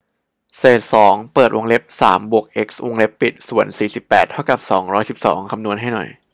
เศษสองเปิดวงเล็บสามบวกเอ็กซ์วงเล็บปิดส่วนสี่สิบแปดเท่ากับสองร้อยสิบสองคำนวณให้หน่อย